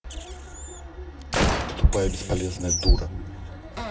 ты тупая бесполезная дура